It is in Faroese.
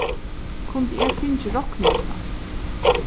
kundi eg fingið rokningina